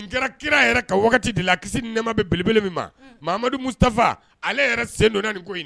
N kɛra kira yɛrɛ ka waati wagati de la kisi nɛma bɛ bbele min ma mutafa ale sendon nin